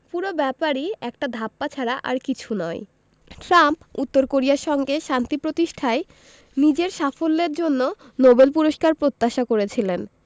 পুরো ব্যাপারই একটা ধাপ্পা ছাড়া আর কিছু নয় ট্রাম্প উত্তর কোরিয়ার সঙ্গে শান্তি প্রতিষ্ঠায় নিজের সাফল্যের জন্য নোবেল পুরস্কার প্রত্যাশা করেছিলেন